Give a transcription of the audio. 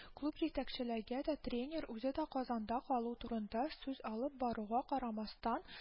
Клуб җитәкчелеге дә, тренер үзе дә Казанда калу турында сүз алып баруга карамастан